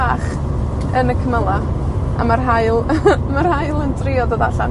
bach yn y cymyla', a ma'r haul, ma'r haul yn drio dod allan.